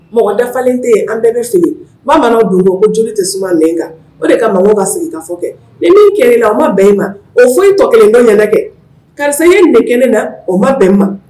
Mɔgɔ dafalen tɛ yen an bɛɛ bɛ fili bamananw dun ko ko joli tɛ suma nɛn kan o de kama mɔgɔw ka sigikafɔ kɛ ni min kɛra i la o ma bɛɛ i ma o fɔ i tɔ kelen dɔ ɲɛna kɛ karisa i ye nin de kɛ ne na o ma bɛn n ma